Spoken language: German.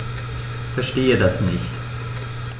Verstehe das nicht.